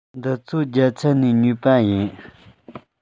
འདི ཚོ རྒྱ ཚ ནས ཉོས པ ཡིན